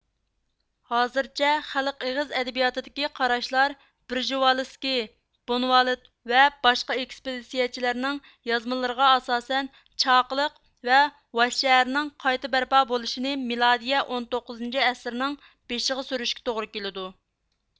ھازىرچە خەلق ئېغىز ئەدەبىياتىدىكى قاراشلار پېرژىۋالىسكىي بونۋالوت ۋە باشقا ئېكىسپېدىتسىيچىلەرنىڭ يازمىلىرىغا ئاساسەن چاقىلىق ۋە ۋاششەھىرىنىڭ قايتا بەرپا بولۇشىنى مىلادىيە ئون توققۇزىنچى ئەسىرنىڭ بېشىغا سۈرۈشكە توغرا كېلىدۇ